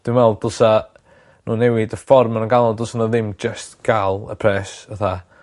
dwi me'wl dylsa n'w newid y ffor ma' nw'n ga'l o dylswn n'w ddim jyst ga'l y pres fatha